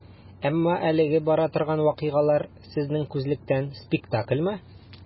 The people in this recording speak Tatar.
Әмма әлегә бара торган вакыйгалар, сезнең күзлектән, спектакльмы?